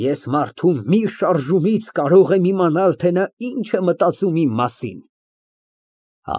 Ես մարդու մի շարժումից կարող եմ իմանալ. թե նա ինչ է մտածում իմ մասին։